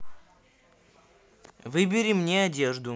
выбери мне одежду